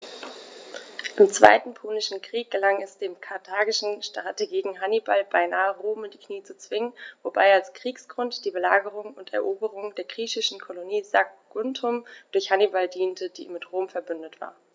Im Zweiten Punischen Krieg gelang es dem karthagischen Strategen Hannibal beinahe, Rom in die Knie zu zwingen, wobei als Kriegsgrund die Belagerung und Eroberung der griechischen Kolonie Saguntum durch Hannibal diente, die mit Rom „verbündet“ war.